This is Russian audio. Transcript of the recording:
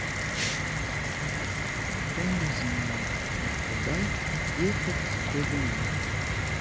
я не знаю я туда ехать или нет